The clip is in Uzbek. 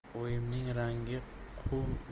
oyimning rangi quv